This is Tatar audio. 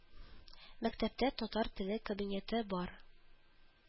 Мәктәптә татар теле кабинеты бар